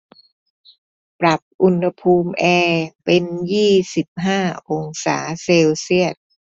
ปรับอุณหภูมิแอร์เป็นยี่สิบห้าองศาเซลเซียส